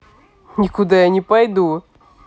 никуда не пойду